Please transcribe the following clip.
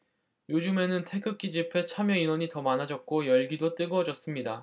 요즘에는 태극기 집회 참여인원이 더 많아졌고 열기도 뜨거워졌습니다